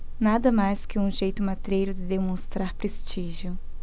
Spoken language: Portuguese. nada mais que um jeito matreiro de demonstrar prestígio